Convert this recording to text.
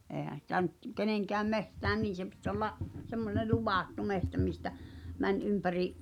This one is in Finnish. eihän sitä nyt kenenkään metsään niin se piti olla semmoinen luvattu metsä mistä meni ympäri